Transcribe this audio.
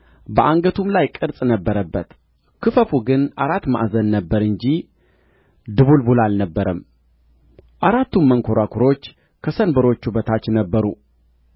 በአንገቱም ላይ ቅርጽ ነበረበት ክፈፉ ግን አራት ማዕዘን ነበረ እንጂ ድቡልቡል አልነበረም አራቱም መንኰራኵሮች ከሰንበሮቹ በታች ነበሩ